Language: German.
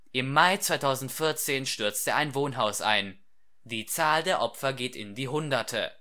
Im Mai 2014 stürzte ein Wohnhaus ein, die Zahl der Opfer geht in die Hunderte